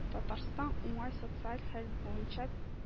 Татарстан уңай социаль хәл буенча